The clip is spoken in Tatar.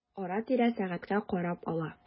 Ара-тирә сәгатькә карап ала.